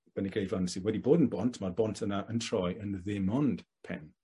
Bendigeidfran sydd wedi bod yn bont ma'r bont yna yn troi yn ddim ond pen.